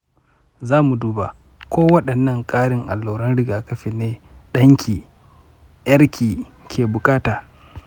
zamu duba ko wadanne karin alluran rigakafi ne ɗanki yarki ke bukata.